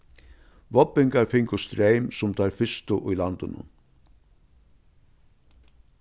vágbingar fingu streym sum teir fyrstu í landinum